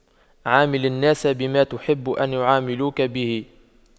عامل الناس بما تحب أن يعاملوك به